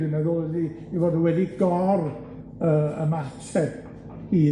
dwi'n meddwl ydi 'i fod o wedi gor yy ymateb i